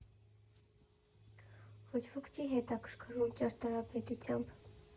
Ոչ ոք չի հետաքրքվում ճարտարապետությամբ։